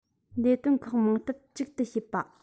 ལས དོན ཁག མང སྟབས ཅིག ཏུ བྱས པ